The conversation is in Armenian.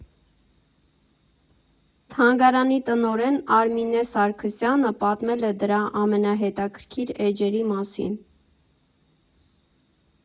Թանգարանի տնօրեն Արմինե Սարգսյանը պատմել է դրա ամենահետաքրքիր էջերի մասին։